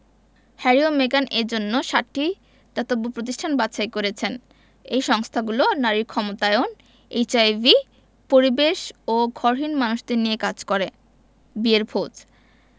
Harry ও মেগান এ জন্য সাতটি দাতব্য প্রতিষ্ঠান বাছাই করেছেন এই সংস্থাগুলো নারীর ক্ষমতায়ন এইচআইভি পরিবেশ ও ঘরহীন মানুষদের নিয়ে কাজ করে বিয়ের ভোজ